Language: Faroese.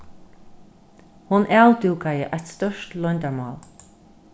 hon avdúkaði eitt stórt loyndarmál